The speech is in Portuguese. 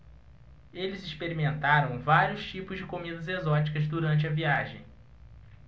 eles experimentaram vários tipos de comidas exóticas durante a viagem